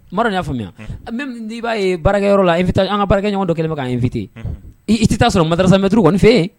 N ma dɔn n'i y'a faamuya . Unhun même n'i b'a ye baarakɛyɔrɔ la invita , an baara kɛ ɲɔgɔn dɔ kɛlen bɛ k'an invité i tɛ ta'a sɔrɔ madarasa maître u kɔni fɛ yen!